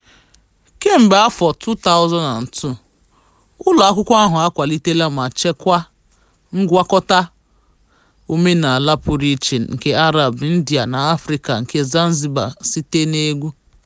Kemgbe 2002, ụlọakwụkwọ ahụ akwaliteela ma chekwaa ngwakọta omenala pụrụ iche nke Arab, India na Afịrịka nke Zanzibar site n'egwu.